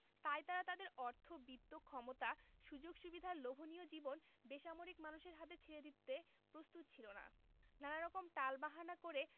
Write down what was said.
তাই তারা তাদের অর্থ বিত্ত ক্ষমতা সুযোগ সুবিধার লোভনীয় জীবন বেসামরিক মানুষের হাতে ছেড়ে দিতে প্রস্তুত ছিল না নানারকম টালবাহানা করে